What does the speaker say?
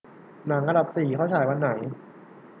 หนังอันดับสี่เข้าฉายวันไหน